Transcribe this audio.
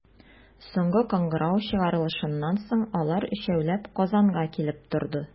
Соңгы кыңгырау чыгарылышыннан соң, алар, өчәүләп, Казанга килеп торды.